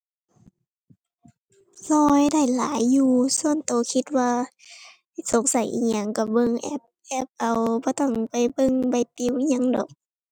ช่วยได้หลายอยู่ ส่วนช่วยคิดว่าสงสัยอิหยังช่วยเบิ่งแอป แอปเอา บ่ต้องไปเบิ่งไปติวอิหยังดอก